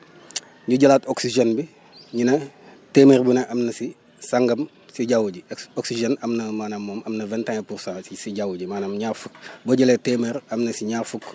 ñu jëlaat oxygène bi ñu ne téeméer bu ne am na si sangam si jaww ji oxy oxygène am na maanaam moom am na vingt et un pour cent si si jaww ji maanaam ñaar fukk boo jëlee téeméer am na si ñaar fukk